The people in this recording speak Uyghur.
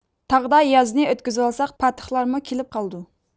تاغدا يازنى ئۆتكۈزۈۋالساق پاتىخلارمۇ كېلىپ قالىدۇ